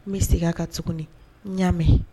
N bɛ segin ka tuguni, n y'a mɛn